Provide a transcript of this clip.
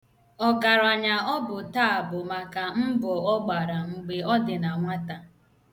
Ọgaranya ọ bụ taa bụ maka mbọ ọ gbara mgbe ọ dị na nwata.